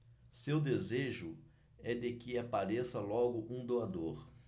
seu desejo é de que apareça logo um doador